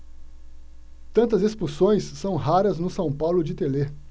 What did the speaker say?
tantas expulsões são raras no são paulo de telê